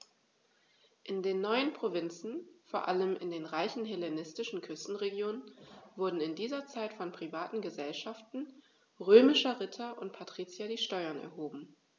In den neuen Provinzen, vor allem in den reichen hellenistischen Küstenregionen, wurden in dieser Zeit von privaten „Gesellschaften“ römischer Ritter und Patrizier die Steuern erhoben.